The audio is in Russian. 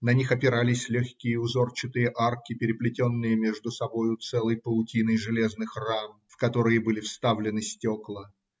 на них опирались легкие узорчатые арки, переплетенные между собою целой паутиной железных рам, в которые были вставлены стекла.